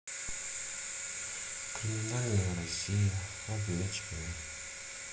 криминальная россия овечкины